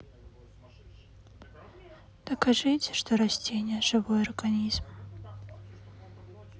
докажите что растение живой организм